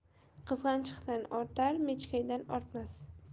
qizg'anchiqdan ortar mechkaydan ortmas